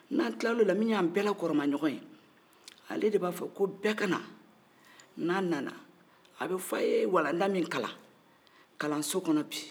n'an kilala ola min ye an bɛɛ la kɔrɔmaɲɔgɔ ye ale de fo ko bɛɛ ka na n'an nana a bɛ fɔ a ye walanda min kalan kalanso kɔnɔ bi